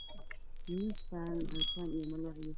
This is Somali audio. Miis saaran cabitaan mala walawax l.